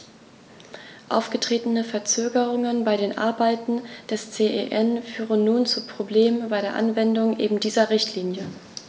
Aufgetretene Verzögerungen bei den Arbeiten des CEN führen nun zu Problemen bei der Anwendung eben dieser Richtlinie.